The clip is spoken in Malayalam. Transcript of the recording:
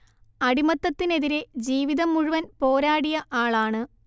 അടിമത്തത്തിനെതിരെ ജീവിതം മുഴുവൻ പോരാടിയ ആളാണ്